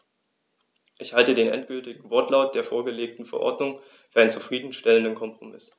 Ich halte den endgültigen Wortlaut der vorgelegten Verordnung für einen zufrieden stellenden Kompromiss.